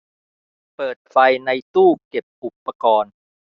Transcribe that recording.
เปิดไฟในตู้เก็บอุปกรณ์